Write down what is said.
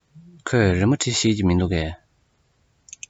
ཁོས རི མོ འབྲི ཤེས ཀྱི མིན འདུག གས